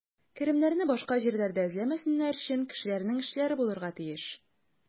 Керемнәрне башка җирләрдә эзләмәсеннәр өчен, кешеләрнең эшләре булырга тиеш.